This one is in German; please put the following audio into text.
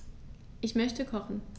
Ich möchte kochen.